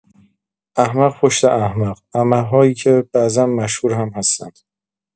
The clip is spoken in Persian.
احمق پشت احمق، احمق‌هایی که بعضا مشهور هم هستند!